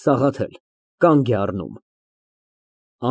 ՍԱՂԱԹԵԼ ֊ (Կանգ է առնում)։